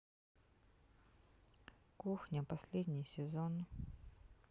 кухня последний сезон